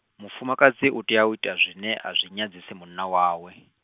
mufumakadzi utea u ita zwine azwi nyadzisi munna wawe.